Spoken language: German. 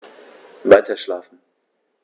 Weiterschlafen.